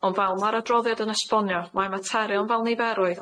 Ond fel ma'r adroddiad yn esbonio mae materion fel niferwydd